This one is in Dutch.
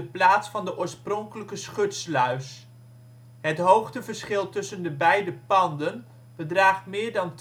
plaats van de oorspronkelijke schutsluis. Het hoogteverschil tussen de beide panden bedraagt meer dan